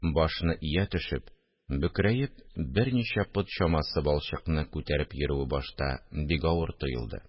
Башны ия төшеп, бөкрәеп берничә пот чамасы балчыкны күтәреп йөрүе башта бик авыр тоелды